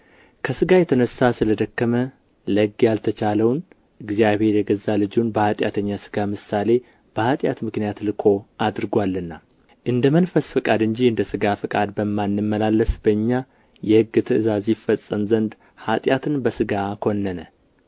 ከሥጋ የተነሣ ስለ ደከመ ለሕግ ያልተቻለውን እግዚአብሔር የገዛ ልጁን በኃጢአተኛ ሥጋ ምሳሌ በኃጢአትም ምክንያት ልኮ አድርጎአልና እንደ መንፈስ ፈቃድ እንጂ